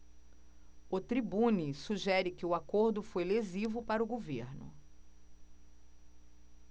o tribune sugere que o acordo foi lesivo para o governo